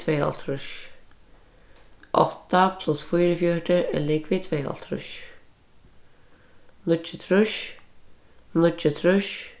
tveyoghálvtrýss átta pluss fýraogfjøruti er ligvið tveyoghálvtrýss níggjuogtrýss níggjuogtrýss